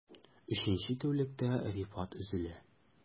Өченче тәүлектә Рифат өзелә...